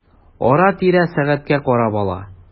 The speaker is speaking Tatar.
Ара-тирә сәгатькә карап ала.